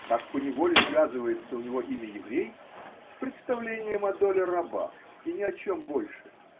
– Так поневоле связывается у него имя еврей с представлением о доле раба, и ни о чем больше.